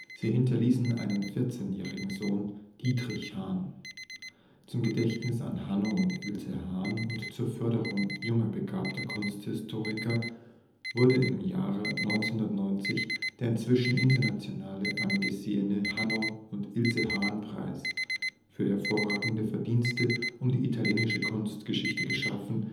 Sie hinterließen einen 14-jährigen Sohn, Dietrich Hahn. Zum Gedächtnis an Hanno und Ilse Hahn und zur Förderung junger begabter Kunsthistoriker (innen) wurde im Jahre 1990 der inzwischen international angesehene Hanno-und-Ilse-Hahn-Preis für hervorragende Verdienste um die italienische Kunstgeschichte geschaffen